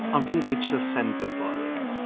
Ond fi'n gweud Chilsen Dwbwl.